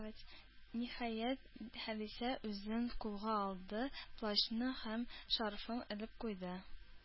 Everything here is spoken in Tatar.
Ниһаять, Халисә үзен кулга алды, плащны һәм шарфын элеп куйды.